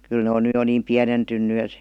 kyllä ne on nyt jo niin pienentynyt että